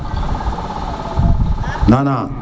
nana